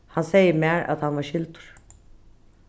hann segði mær at hann var skildur